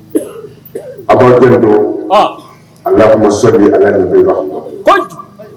A balimakɛ don, Allahoumma soli ala nabi